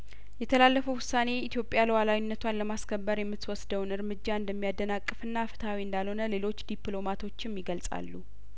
የተላለፈው ውሳኔ ኢትዮጵያ ሉአላዊነቷን ለማስከበር የምት ወስደውን እርምጃ እንደሚያደናቅፍና ፍትሀዊ እንዳልሆነ ሌሎች ዲፕሎማቶችም ይገልጻሉ